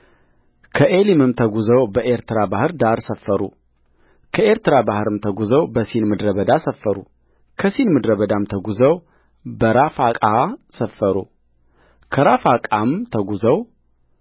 ከኤሊምም ተጕዘው በኤርትራ ባሕር ዳር ሰፈሩከኤርትራም ባሕር ተጕዘው በሲን ምድረ በዳ ሰፈሩከሲን ምድረ በዳም ተጕዘው በራፋቃ ሰፈሩከራፋቃም ተጕዘው